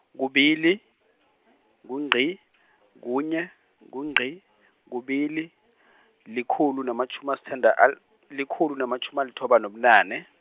kubili , ngungqi, kunye, ngungqi, kubili , likhulu namatjhumi asithanda- al- likhulu namatjhumi alithoba nobunane.